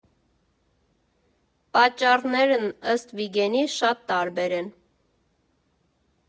Պատճառներն ըստ Վիգենի՝ շատ տարբեր են.